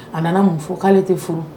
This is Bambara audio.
A nana mun fo k'ale tɛ furu